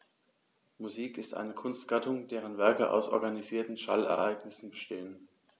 Musik ist eine Kunstgattung, deren Werke aus organisierten Schallereignissen bestehen.